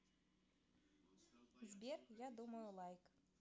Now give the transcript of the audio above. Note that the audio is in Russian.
сбер я думаю like